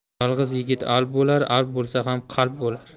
yolg'iz yigit alp bo'lar alp bo'lsa ham qalp bo'lar